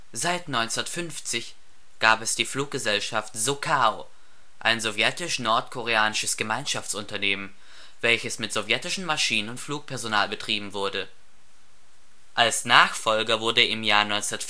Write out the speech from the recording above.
Seit 1950 gab es die Fluggesellschaft SOKAO, ein sowjetisch-nordkoreanisches Gemeinschaftsunternehmen, welches mit sowjetischen Maschinen und Flugpersonal betrieben wurde. Als Nachfolger wurde im Jahr 1954